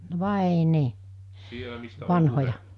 no vain niin vanhoja